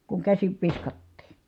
kun käsin viskattiin